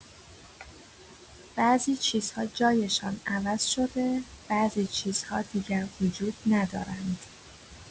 بعضی چیزها جایشان عوض شده، بعضی چیزها دیگر وجود ندارند.